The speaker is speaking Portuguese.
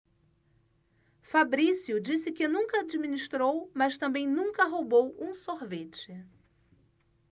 fabrício disse que nunca administrou mas também nunca roubou um sorvete